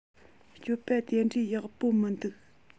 སྤྱོད པ དེ འདྲའི ཡག པོ མི འདུག